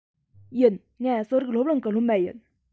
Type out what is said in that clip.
ཡིན ང གསོ རིག སློབ གླིང གི སློབ མ ཡིན